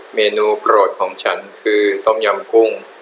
เมนูโปรดของฉันคือต้มยำกุ้ง